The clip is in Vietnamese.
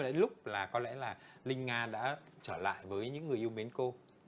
lúc là có lẽ là linh nga đã trở lại với những người yêu mến cô